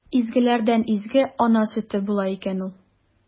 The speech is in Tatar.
Изгеләрдән изге – ана сөте була икән ул!